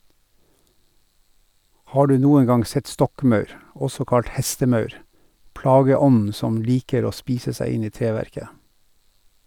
Har du noen gang sett stokkmaur , også kalt hestemaur, plageånden som liker å spise seg inn i treverket?